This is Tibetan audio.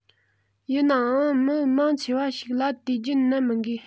ཡིན ནའང མི མང ཆེ བ ཞིག ལ དུས རྒྱུན ནད མི འགོས